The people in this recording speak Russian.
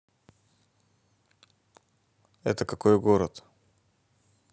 это какой город